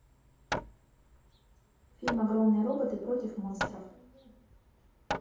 фильм огромные роботы против монстров